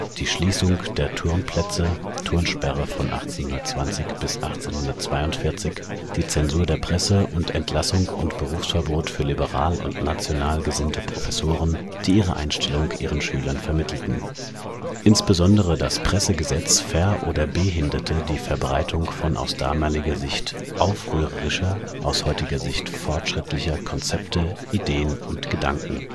die Schließung der Turnplätze (Turnsperre von 1820 - 1842), die Zensur der Presse und Entlassung und Berufsverbot für liberal und national gesinnte Professoren, die ihre Einstellung ihren Schülern vermittelten. Insbesondere das Pressegesetz ver - oder behinderte die Verbreitung von aus damaliger Sicht aufrührerischer, aus heutiger Sicht fortschrittlicher Konzepte, Ideen und Gedanken